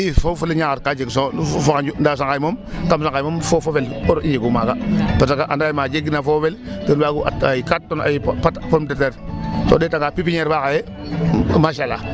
II foof le Niakhar ka jeg foof fo xanju ndaa Sangaye moom kam Sangaye moom foof fo fel ɓor i njegu maaga parce que anda ye ma jegna foof fo fel ten waagu at ay quatre tonne pomme de terre to o ɗeetanga pepiniere fa xaye masaala.